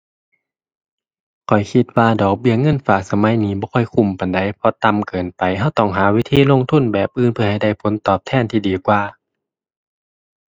ข้อยคิดว่าดอกเบี้ยเงินฝากสมัยนี้บ่ค่อยคุ้มปานใด เพราะต่ำเกินไปเราต้องหาวิธีลงทุนแบบอื่นเพื่อให้ได้ผลตอบแทนที่ดีกว่า